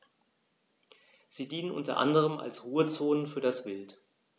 Sie dienen unter anderem als Ruhezonen für das Wild.